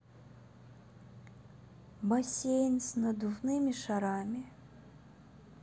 бассейн с надувными шарами